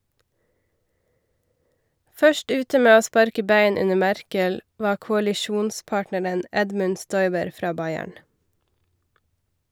Først ute med å sparke bein under Merkel var koalisjonspartneren Edmund Stoiber fra Bayern.